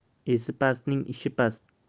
esi pastning ishi past